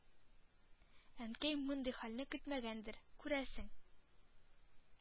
Әнкәй мондый хәлне көтмәгәндер, күрәсең: